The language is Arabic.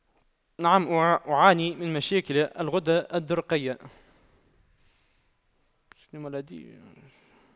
نعم أعاني من مشاكل الغدة الدرقية